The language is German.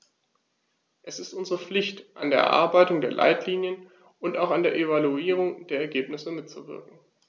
Es ist unsere Pflicht, an der Erarbeitung der Leitlinien und auch an der Evaluierung der Ergebnisse mitzuwirken.